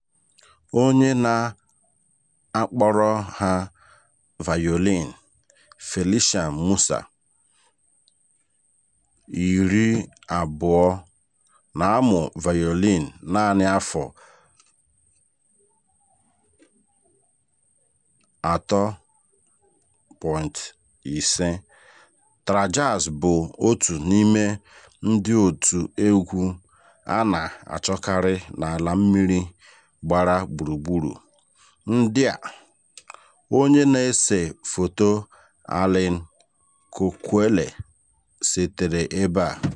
Onye na-akpọrọ ha vayolin, Felician Mussa, 20, na-amụ vayolin naanị afọ 3.5; TaraJazz bụ otu n'ime ndị òtù egwu a na-achọkarị n'ala mmiri gbara gburugburu ndị a, onye na-ese foto Aline Coquelle setere ebe a: